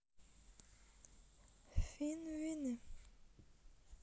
fine whine